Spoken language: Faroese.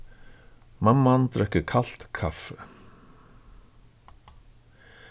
mamman drekkur kalt kaffi